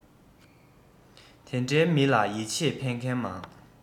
དེ འདྲའི མི ལ ཡིད ཆེས ཕན མཁན མང